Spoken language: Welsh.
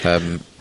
Yym.